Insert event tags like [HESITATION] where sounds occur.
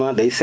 [HESITATION] [HESITATION]